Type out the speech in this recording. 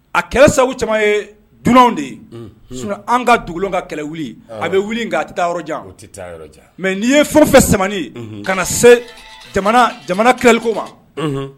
A kɛlɛ sababu caman yee dunanw de ye unhun sinon an' ka dugulenw ka kɛlɛ wuli aaan a be wuli nka a te taa yɔrɔ jan o te taa yɔrɔ jan mais n'i ye fɛn o fɛn samanen ye unhun kana see jamana jamana kilaliko ma unhun